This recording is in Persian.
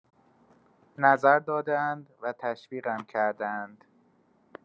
نظر داده‌اند و تشویقم کرده‌اند.